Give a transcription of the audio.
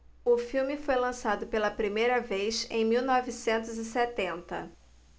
o filme foi lançado pela primeira vez em mil novecentos e setenta